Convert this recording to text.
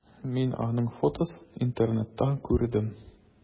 Мин аның фотосын интернетта күрдем.